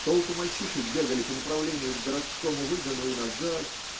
Толпы мальчишек бегали по направлению к городскому выгону и назад